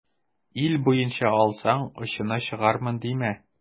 Ил буенча алсаң, очына чыгармын димә.